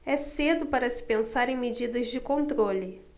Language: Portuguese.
é cedo para se pensar em medidas de controle